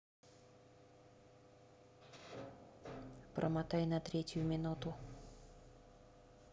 промотай на третью минуту